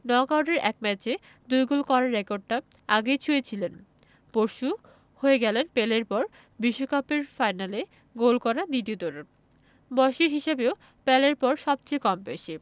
নকআউটে এক ম্যাচে ২ গোল করার রেকর্ডটা আগেই ছুঁয়েছিলেন পরশু হয়ে গেলেন পেলের পর বিশ্বকাপের ফাইনালে গোল করা দ্বিতীয় তরুণ বয়সের হিসাবেও পেলের পর সবচেয়ে কম বয়সী